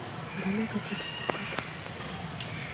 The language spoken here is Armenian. Բանակը ստույգ պատերազմ է։